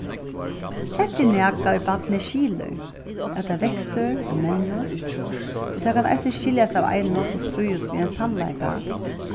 hetta er nakað ið barnið skilir at tað veksur og mennist og tað kann eisini skiljast av einum sum stríðist við ein samleika